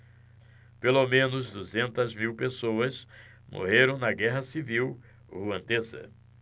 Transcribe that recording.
pelo menos duzentas mil pessoas morreram na guerra civil ruandesa